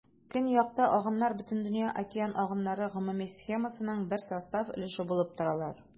Көньякта агымнар Бөтендөнья океан агымнары гомуми схемасының бер состав өлеше булып торалар.